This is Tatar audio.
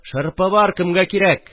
Шырпы бар, кемгә кирәк